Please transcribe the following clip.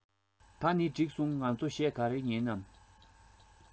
ད ནི གྲིགས སོང ང ཚོ གཞས ག རེ ཉན ནམ